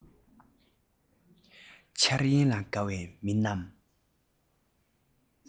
འཆར ཡན ལ དགའ བའི མི རྣམས